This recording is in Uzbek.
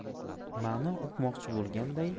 ma'no uqmoqchi bolganday